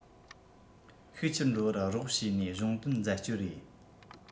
ཤུགས ཆེར འགྲོ བར རོགས བྱས ནས གཞུང དོན འཛད སྤྱོད རེད